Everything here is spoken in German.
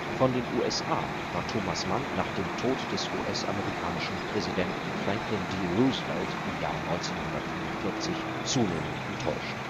Von den USA war Thomas Mann nach dem Tod des US-amerikanischen Präsidenten Franklin D. Roosevelt im Jahr 1945 zunehmend enttäuscht